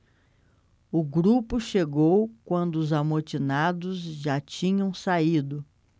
o grupo chegou quando os amotinados já tinham saído